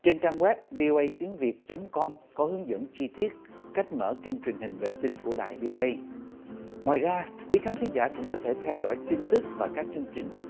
trên trang goép vi ô ây tiếng việt chấm com có hướng dẫn chi tiết cách mở kênh truyền hình vệ tinh của đài vi ô ây ngoài ra quý khán thính giả cũng có thể theo dõi tin tức và các chương trình